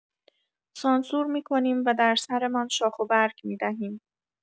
سانسور می‌کنیم و در سرمان شاخ‌وبرگ می‌دهیم.